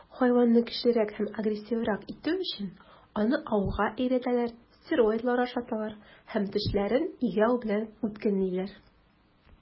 Хайванны көчлерәк һәм агрессиврак итү өчен, аны ауга өйрәтәләр, стероидлар ашаталар һәм тешләрен игәү белән үткенлиләр.